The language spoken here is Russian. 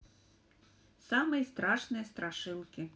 самые страшные страшилки